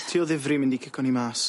Ti o ddifri'n mynd i cico ni mas?